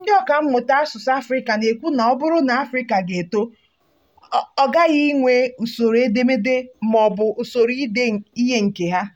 Ndị ọkà mmụta asụsụ Afrịca na-ekwu na ọ bụrụ na Afrịca ga-eto, ọ ghaghị inwe usoro edemede ma ọ bụ usoro ide ihe nke ya.